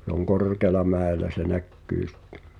se on korkealla mäellä se näkyy sitten